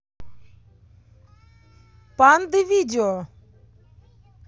панды видео